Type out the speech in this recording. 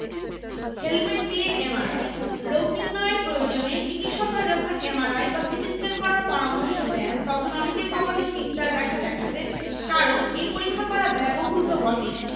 helmet দিয়ে MRI রোগ নির্নয়ের প্রয়োজনে চিকিত্সকরা যখন এমআরআই বা সিটিস্ক্যান করার পরামর্শ দেন তখন অনেকের কপালে চিন্তার রেখা দেখা দেয় কারণ এই পরীক্ষা করা ব্যয়বহুল তো বটেই